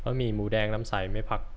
บะหมี่หมูแดงน้ำใสไม่ผัก